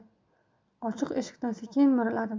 ochiq eshikdan sekin mo'raladim